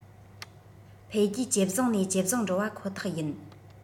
འཕེལ རྒྱས ཇེ བཟང ནས ཇེ བཟང འགྲོ བ ཁོ ཐག ཡིན